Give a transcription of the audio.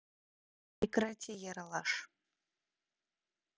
прекрати ералаш